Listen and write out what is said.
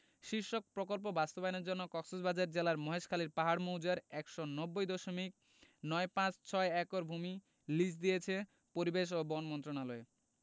শীর্ষক প্রকল্প বাস্তবায়নের জন্য কক্সেসবাজার জেলার মহেশখালীর পাহাড় মৌজার ১৯০ দশমিক নয় পাঁচ ছয় একর ভূমি লিজ দিয়েছে পরিবেশ ও বন মন্ত্রণালয়